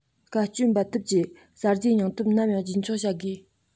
དཀའ སྤྱད འབད འཐབ ཀྱི གསར བརྗེའི སྙིང སྟོབས ནམ ཡང རྒྱུན འཁྱོངས བྱ དགོས